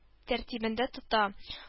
Тәртибендә тота